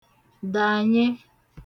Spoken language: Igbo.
dànye